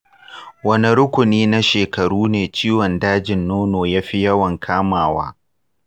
wane rukuni na shekaru ne ciwon dajin nono ta fi yawan kamawa?